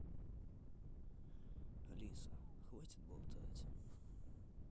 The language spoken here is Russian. алиса хватит болтать